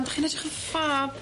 Dach chi'n edrych yn ffab.